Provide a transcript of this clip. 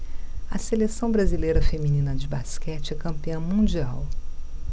a seleção brasileira feminina de basquete é campeã mundial